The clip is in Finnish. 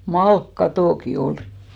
malkakatotkin oli